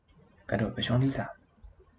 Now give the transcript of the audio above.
กระโดดไปสามช่อง